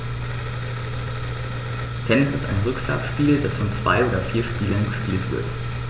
Tennis ist ein Rückschlagspiel, das von zwei oder vier Spielern gespielt wird.